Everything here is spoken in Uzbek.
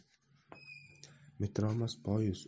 metromas poyiz